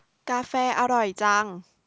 กาแฟอร่อยจัง